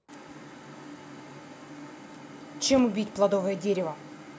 чем убить плодовое дерево